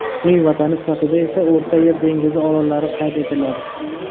uning vatani sifatida esa o'rta yer dengizi orollari qayd etiladi